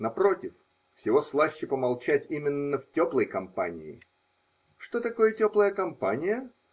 Напротив: всего слаще помолчать именно в теплой компании. Что такое теплая компания?